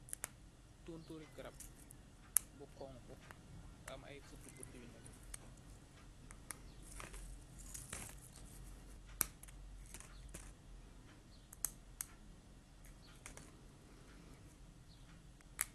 Tontóri garam bu xonxu am ay putuputu yu neteh.